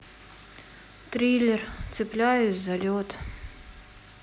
триллер цепляюсь за лед